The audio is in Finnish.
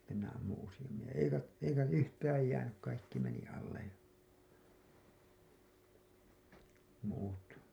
sitten minä ammuin useammin ja eikä eikä yhtään jäänyt kaikki meni alle muut